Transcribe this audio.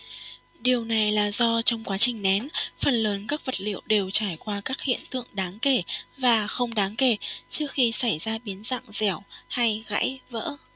điều này là do trong quá trình nén phần lớn các vật liệu đều trải qua các hiện tượng đáng kể và không đáng kể trước khi xảy ra biến dạng dẻo hay gãy vỡ